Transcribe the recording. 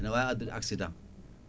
ne wawi addude accident